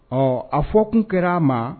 Ɔ a fɔkun kɛr'a ma